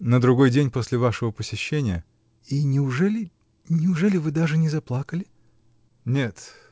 -- На другой день после вашего посещения. -- И неужели. неужели вы даже не заплакали? -- Нет.